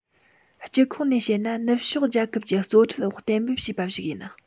སྤྱི ཁོག ནས བཤད ན ནུབ ཕྱོགས རྒྱལ ཁབ ཀྱི གཙོ ཁྲིད འོག གཏན འབེབས བྱས པ ཞིག ཡིན